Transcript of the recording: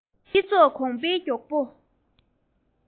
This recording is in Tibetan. སྤྱི ཚོགས གོང འཕེལ མགྱོགས པོ